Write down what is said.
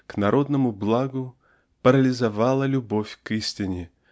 к народному благу парализовала любовь к истине